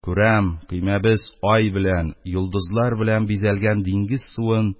Күрәм, көймәбез ай белән, йолдызлар белән бизәлгән диңгез cyын